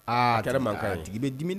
Aa kɛra man kan di bɛ di